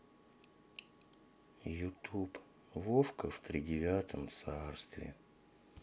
ютуб вовка в тридевятом царстве